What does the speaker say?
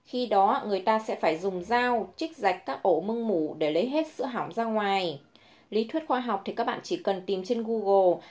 khi đó người ta sẽ phải dùng dao trích rạch các ổ mưng mủ để lấy hết sữa hỏng ra ngoài lý thuyết khoa học thì bạn chỉ cần tìm trên google